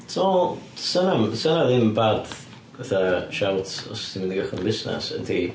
So 'sa hynna'm 'sa hynna ddim yn bad fatha shout os ti'n mynd i gychwyn busnes ydy?